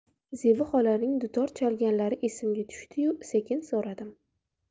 zebi xolaning dutor chalganlari esimga tushdiyu sekin so'radim